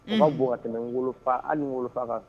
Kuma tɛmɛ n wolofa ani ni wolofa faga